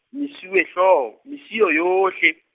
mesuwe hlooho, mesuwe yohle.